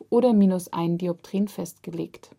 oder −1,00 dpt festgelegt